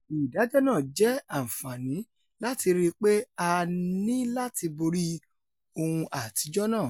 Ìdájọ́ náà jẹ àǹfààní láti rí i pé a nì láti borí ohun àtijọ́ náà